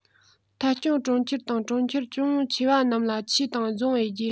ཐད སྐྱོང གྲོང ཁྱེར དང གྲོང ཁྱེར ཅུང ཆེ བ རྣམས ལ ཆུས དང རྫོང དབྱེ རྒྱུ